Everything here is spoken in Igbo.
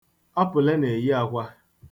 Apụle na-eyi akwa.